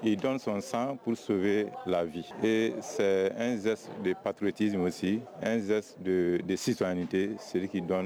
il donne son sang pour sauver la vie c'est un geste de patriotisme aussi , un geste de citoyenneté celui qui donne